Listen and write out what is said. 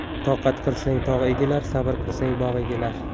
toqat qilsang tog' egilar sabr qilsang bog' egilar